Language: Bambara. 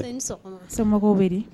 I ni sɔgɔma. So.Mɔgɔw bɛ di?